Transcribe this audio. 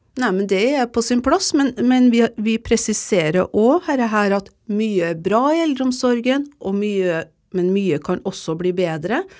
nei men det er på sin plass men men vi vi presiserer òg herre her at mye er bra i eldreomsorgen og mye men mye kan også bli bedre.